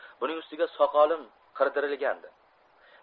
buning ustiga soqolim qirdirilgandi